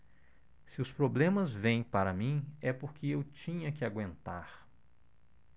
se os problemas vêm para mim é porque eu tinha que aguentar